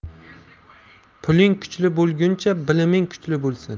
piling kuchli bo'lguncha biliming kuchli bo'lsin